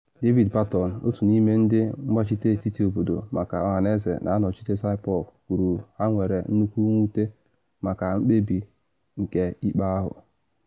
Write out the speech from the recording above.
David Patton, otu n’ime ndị mgbachite etiti obodo maka ọhaneze na anọchite Saipov, kwuru ha nwere “nnukwu mwute” maka mkpebi nke ikpe ahụ.